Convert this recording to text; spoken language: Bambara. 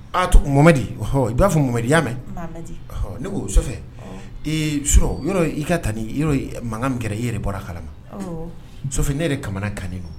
Mohamɛdi ,ɔnhɔn,i b'a fɔ Mohmɛdi i y'a mɛn? Mamɛdi. Ne ko sɔfɛ ee surɔ, yɔrɔ, i ka tantie mankan min kɛrɛ i yɛrɛ bɔra a kalama. Awɔ. Sofɛ ne yɛrɛ kamana gannen don.